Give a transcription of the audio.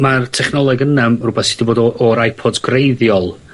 Ma'r technoleg yna yn rwbath sy 'di bod o o'r Ipods greiddiol,